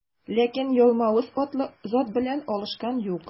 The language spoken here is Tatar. Ләкин Ялмавыз атлы зат белән алышкан юк.